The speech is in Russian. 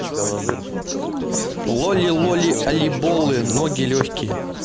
lolly lolly олиболы ноги легкие